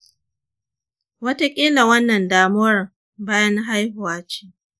wataƙila wannan damuwar bayan-haihuwa ce